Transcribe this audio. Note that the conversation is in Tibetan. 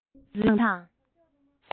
ཁོག པའི ནང འཛུལ དང